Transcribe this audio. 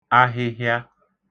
ahịhịa